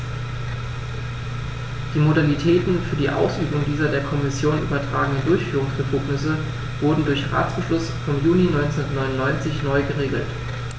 Die Modalitäten für die Ausübung dieser der Kommission übertragenen Durchführungsbefugnisse wurden durch Ratsbeschluss vom Juni 1999 neu geregelt.